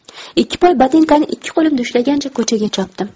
ikki poy botinkani ikki qo'limda ushlagancha ko'chaga chopdim